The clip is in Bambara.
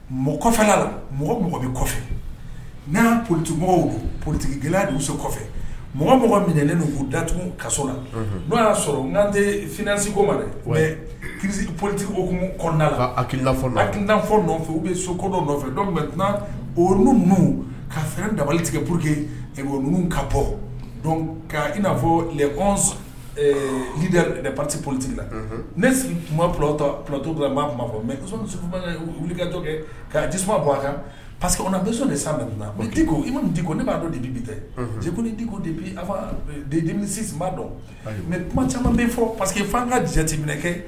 Mɔgɔfɛla mɔgɔ mɔgɔ bɛ kɔfɛ na politumɔgɔ porotigi so kɔfɛ mɔgɔ mɔgɔ minɛnlen'u dat kaso la' y'a sɔrɔ n'ante finɛsiko ma dɛ o ye kiiri politigiumu kɔnɔnada la akilakid nɔfɛ u bɛ so kodɔn nɔfɛ mɛ o ninnu ka fɛ dabali tigɛ porour queun ka bɔ ka'aafɔ kkɔ psi politigi la ne sigi p porotobi b'a b'a fɔ mɛ wuli katɔ kɛ ka'a di tasuma bɔ a kan parce que na dɛsɛ nin sanko i dik ko ne b'a dɔn de bi bi tɛ ko diko de bi a' dɔn mɛ kuma caman bɛ fɔ pa parce que' an ka jateti minɛ kɛ